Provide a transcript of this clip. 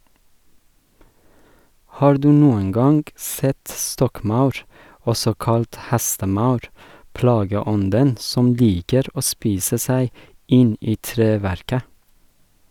Har du noen gang sett stokkmaur, også kalt hestemaur, plageånden som liker å spise seg inn i treverket?